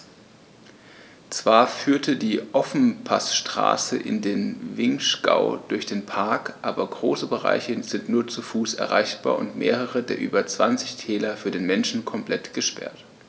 Zwar führt die Ofenpassstraße in den Vinschgau durch den Park, aber große Bereiche sind nur zu Fuß erreichbar und mehrere der über 20 Täler für den Menschen komplett gesperrt.